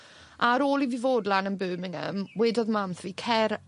a ar ôl i fi fod lan yn Birmingham wedodd mam wrth fi cer